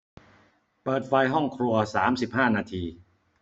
เปิดไฟห้องครัวสามสิบห้านาที